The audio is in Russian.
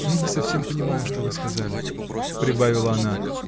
— Я не совсем понимаю, что вы сказали, — прибавила она.